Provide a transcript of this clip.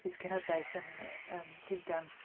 Llys Cenhedlaeth yn, yn Llundain.